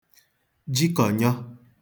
jikọnyọ